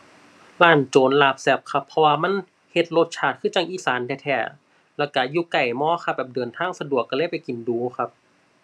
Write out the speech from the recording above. ร้านโจรลาบแซ่บครับ เพราะว่ามันเฮ็ดรสชาติคือจั่งอีสานแท้แท้ แล้วก็อยู่ใกล้ ม. ครับ แบบเดินทางสะดวก ก็เลยไปกินดู๋ครับ